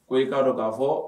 Ko i k'a dɔn k'a fɔ